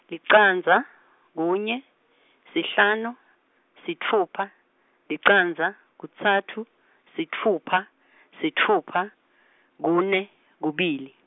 licandza, kunye, sihlanu, sitfupha, licandza, kutsatfu, sitfupha , sitfupha, kune, kubili.